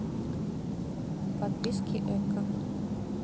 подписки экко